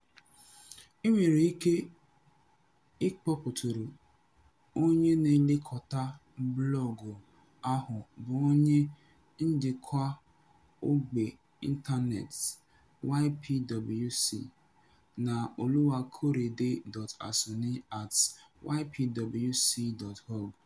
E nwere ike ịkpọtụrụ Onye na-elekọta blọọgụ ahụ bụ Onye Njikwa Ogbe Ịntanet YPWC na Oluwakorede.Asuni@ypwc.org